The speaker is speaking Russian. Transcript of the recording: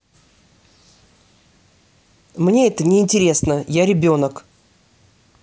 мне это неинтересно я ребенок